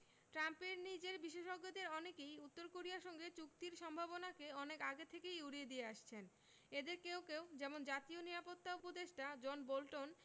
ট্রাম্পের নিজের বিশেষজ্ঞদের অনেকেই উত্তর কোরিয়ার সঙ্গে চুক্তির সম্ভাবনাকে অনেক আগে থেকেই উড়িয়ে দিয়ে আসছেন এঁদের কেউ কেউ যেমন জাতীয় নিরাপত্তা উপদেষ্টা জন বোল্টন